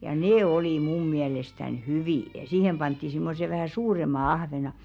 ja ne oli minun mielestäni hyviä ja siihen pantiin semmoiset vähän suuremmat ahvenet